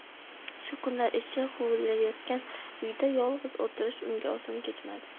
shu kunlar ichi huvillayotgan uyda yolg'iz o'tirish unga oson kechmadi